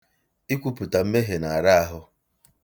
Ikwupụta mmehie na-ara ahụ.